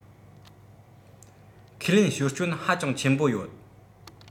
ཁས ལེན ཞོར སྐྱོན ཧ ཅང ཆེན པོ ཡོད